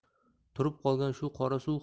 turib qolgan shu qora suv